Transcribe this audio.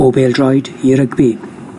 O bêl-droed i rygbi.